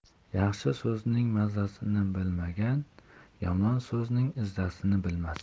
yaxshi so'zning mazzasini bilmagan yomon so'zning izzasini bilmas